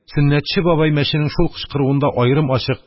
Сөннәтче бабай мәченең шул кычкыруында аермачык